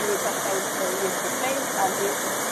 i gwellai w- yy 'u iechyd lles a m- ei iechyd